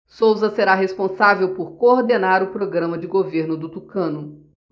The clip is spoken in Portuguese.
souza será responsável por coordenar o programa de governo do tucano